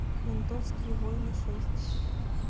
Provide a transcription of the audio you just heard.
ментовские войны шесть